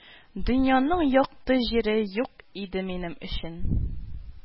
Дөньяның якты җире юк иде минем өчен